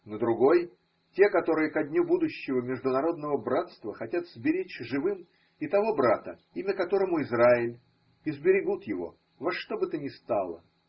на другой те, которые ко дню будущего международного братства хотят сберечь живым и того брата, имя которому Израиль, и сберегут его – во что бы то ни стало.